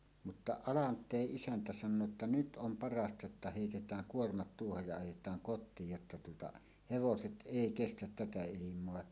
mutta Alanteen isäntä sanoo että nyt on parasta jotta heitetään kuormat tuohon ja ajetaan kotiin jotta tuota hevoset ei kestä tätä ilmaa